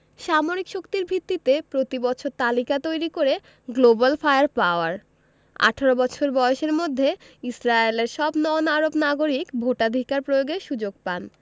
সামরিক শক্তির ভিত্তিতে প্রতিবছর তালিকা তৈরি করে গ্লোবাল ফায়ার পাওয়ার ১৮ বছর বয়সের মধ্যে ইসরায়েলের সব নন আরব নাগরিক ভোটাধিকার প্রয়োগের সুযোগ পান